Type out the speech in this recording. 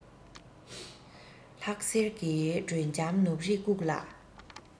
ལྷག ཟེར གྱི དྲོད འཇམ ནུབ རིས བཀུག ལ